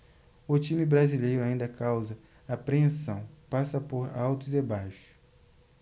o time brasileiro ainda causa apreensão passa por altos e baixos